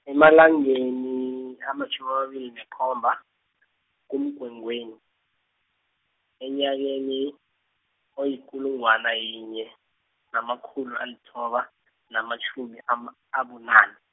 emalangeni, amatjhumi amabili nekhomba, kuMgwengweni, enyakeni, oyikulungwana yinye, namakhulu alithoba, namatjhumi ama- abunane.